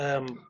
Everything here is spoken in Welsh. yym